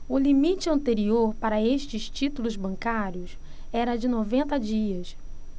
o limite anterior para estes títulos bancários era de noventa dias